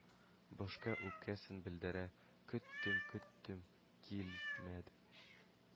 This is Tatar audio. Башка үпкәсен белдерә: «көт-тем, көт-тем, кииил-мәдең,